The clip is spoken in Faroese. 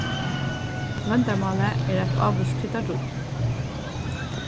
loyndarmálið er eitt ávíst kryddarí